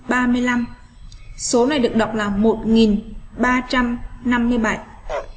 số này được đọc là